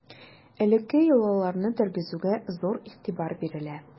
Элекке йолаларны тергезүгә зур игътибар бирелә.